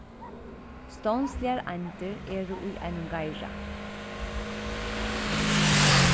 stovnsligar eindir eru í einum geira